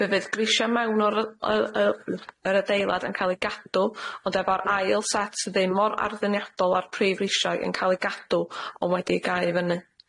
Fe fydd grisia' mewn o'r yy yy yy yr adeilad yn cael ei gadw ond efo'r ail set ddim mor arddyniadol â'r prif grisia' yn cael ei gadw ond wedi'i gae i fyny.